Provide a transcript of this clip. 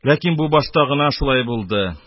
Ләкин бу башта гына шулай булды.